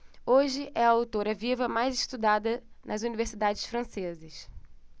hoje é a autora viva mais estudada nas universidades francesas